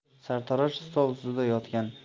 sartarosh stol ustida yotgan